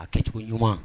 A kɛcogo ɲuman